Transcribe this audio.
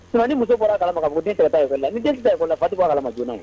Ni muso bɔra kala ka fɔ tɛ ta la ni tɛ ta fa bɔ a kalama sona